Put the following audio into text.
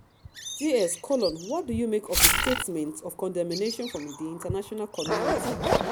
JS: What do you make of the statements of condemnation from the international community?